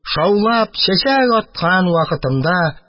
Шаулап чәчәк аткан вакытымда